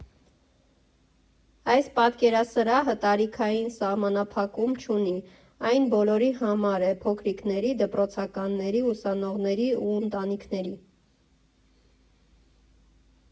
Այս պատկերասրահը տարիքային սահմանափակում չունի, այն բոլորի համար է՝ փոքրիկների, դպրոցականների, ուսանողների ու ընտանիքների։